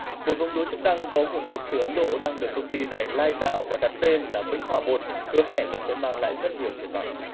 một giống lúa chức năng có nguồn gốc từ ấn độ đang được công ty này lai tạo và đặt tên là vĩnh hòa một hứa hẹn là sẽ mang lại rất nhiều triển vọng